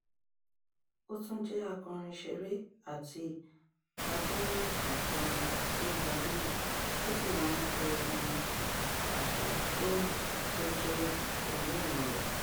Ó tún jẹ́ akọrin-ṣeré àti àdánìkànkọrin tí ó gbajúmọ̀, ó sì máa ń kọ orin àṣà Roma tí ó jẹ́ orírun rẹ̀.